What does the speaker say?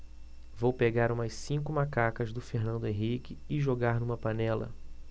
vou pegar umas cinco macacas do fernando henrique e jogar numa panela